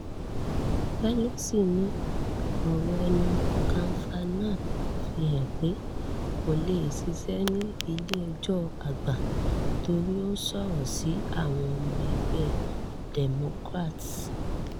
Pelosi ni ọ̀rọ̀ ẹnu Kavanaugh fi hàn pé kò lè ṣiṣẹ́ ní Ilé-ejọ́ Àgbà torí ó sọ̀rọ̀ sí àwọn ọmọ egbẹ́ Democrat.